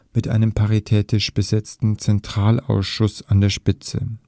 mit einem paritätisch besetzten Zentralausschuss an der Spitze